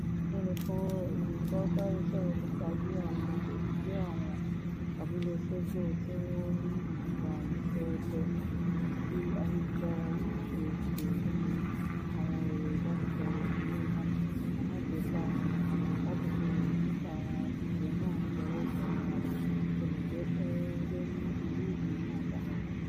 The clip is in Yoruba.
Nínú fọ́nràn yìí, Boukary sọ̀rọ̀ nípa bí àwọn olùgbé àwọn abúlé Ségou, tí wọn ní ìwọ̀nba àyè péréte sí ayélujára yóò ṣe lè lo àwọn ẹ̀rọ ìbánisọ̀rọ̀ alágbèéká wọn láti fi ìròyìn nípa àwọn agbègbè náà ṣọwọ́ sí àwọn olùgbé tí wọ́n ń gbé ní olú-ìlú náà Bamako.